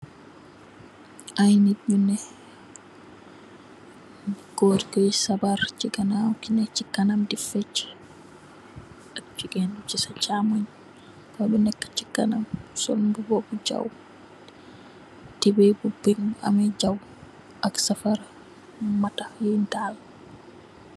Ayy nit ñuneh ku gorrki yoreh sabarr si ganawam kenen ki di fechi ak gigeen jusi chamoñ neksi kanam mungi sol mbuba bu jaw tuboy bu pick ameh jaw ak safar mata yuñ tall.